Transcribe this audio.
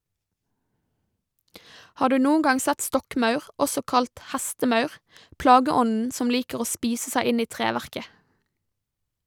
Har du noen gang sett stokkmaur, også kalt hestemaur, plageånden som liker å spise seg inn i treverket?